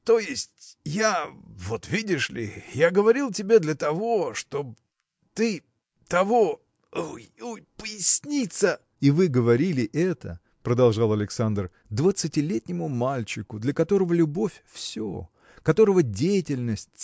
– То есть я, вот видишь ли, я говорил тебе для того. чтоб. ты. того. ой, ой, поясница! – И вы говорили это – продолжал Александр – двадцатилетнему мальчику для которого любовь – все которого деятельность